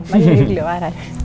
veldig hyggeleg å vera her.